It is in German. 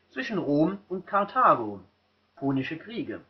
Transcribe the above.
zwischen Rom und Karthago (Punische Kriege